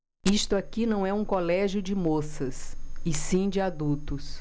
isto aqui não é um colégio de moças e sim de adultos